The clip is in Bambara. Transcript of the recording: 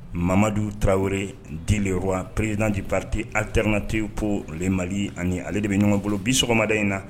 Mamamadu tarawele deyɔrɔ wa prezdnanandiprte-terkante ko de mali ani ale de bɛ ɲɔgɔn bolo bi sɔgɔmada in na